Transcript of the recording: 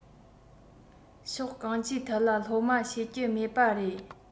ཕྱོགས གང ཅིའི ཐད ལ སློབ མ ཤེས ཀྱི མེད པ རེད